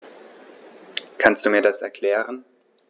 Kannst du mir das erklären?